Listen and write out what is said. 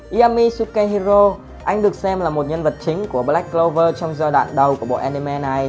yami sukehiro anh được xem là nhân vật chính của black clover trong giai đoạn đầu của bộ anime này